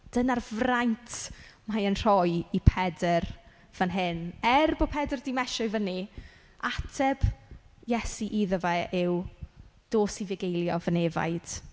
Dyna'r fraint mae e'n rhoi i Pedr fan hyn. Er bo' Pedr 'di mesio i fyny ateb Iesu iddo fe yw "dos i fugeilio fy nefaid".